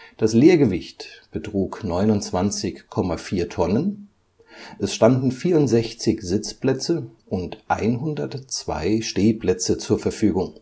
Das Leergewicht betrug 29,4 Tonnen, es standen 64 Sitzplätze und 102 Stehplätze zur Verfügung